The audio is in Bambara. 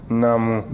naamu